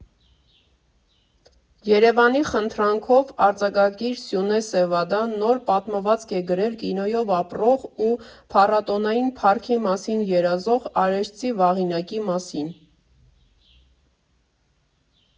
ԵՐԵՎԱՆի խնդրանքով արձակագիր Սյունե Սևադան նոր պատմվածք է գրել կինոյով ապրող ու փառատոնային փառքի մասին երազող արեշցի Վաղինակի մասին։